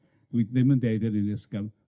###dwi ddim yn deud hynny'n ysgafn.